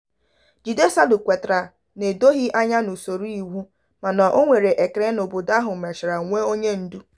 Jide Salu kwetara n'edoghị anya n'usoro iwu, mana o nwere ekele na obodo ahụ mechara nwee onyendu.